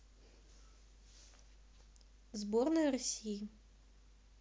сборная россии